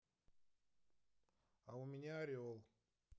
а у меня орел